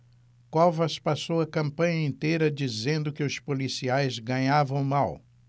covas passou a campanha inteira dizendo que os policiais ganhavam mal